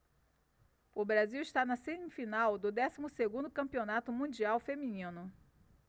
o brasil está na semifinal do décimo segundo campeonato mundial feminino